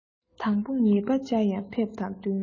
དང པོ ཉེས པ བཅའ ཡང ཕེབས དང བསྟུན